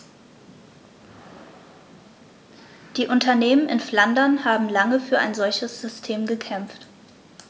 Die Unternehmen in Flandern haben lange für ein solches System gekämpft.